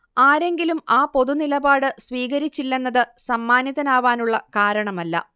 ആരെങ്കിലും ആ പൊതുനിലപാട് സ്വീകരിച്ചില്ലെന്നത് സമ്മാനിതനാവാനുള്ള കാരണമല്ല